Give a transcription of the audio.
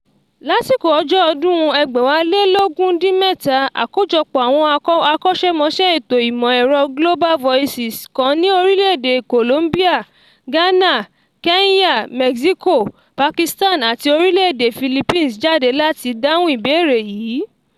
Lásìkò òjò ọdún 2017, àkójọpọ̀ àwọn akọ́ṣẹ́mọṣẹ́ ẹ̀tọ́ ìmọ̀ ẹ̀rọ Global Voices kan ní orílẹ̀ èdè Colombia, Ghana, Kenya, Mexico, Pakistan àti orílẹ́ èdè Philippines jáde láti dáhùn ìbéèrè yìí.